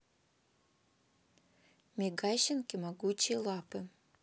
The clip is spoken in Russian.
мегащенки могучие лапы